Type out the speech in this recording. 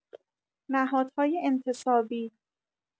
نهادهای انتصابی